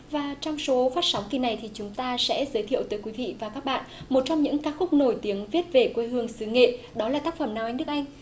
và trong số phát sóng kỳ này thì chúng ta sẽ giới thiệu tới quý vị và các bạn một trong những ca khúc nổi tiếng viết về quê hương xứ nghệ đó là tác phẩm nào anh đức anh